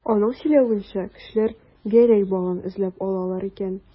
Аның сөйләвенчә, кешеләр Гәрәй балын эзләп алалар икән.